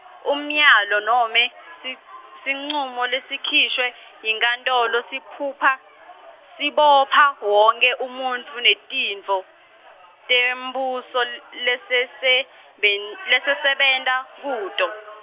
Umyalo nome si- sincumo lesikhishwe yinkantolo sibopha, sibopha wonkhe umuntfu netintfo, tembuso l- lesiseben- lesisebenta kuto.